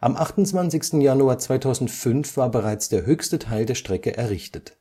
Am 28. Januar 2005 war bereits der höchste Teil der Strecke errichtet